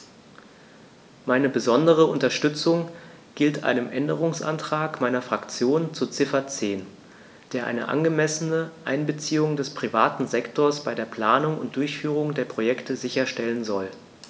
Meine besondere Unterstützung gilt einem Änderungsantrag meiner Fraktion zu Ziffer 10, der eine angemessene Einbeziehung des privaten Sektors bei der Planung und Durchführung der Projekte sicherstellen soll.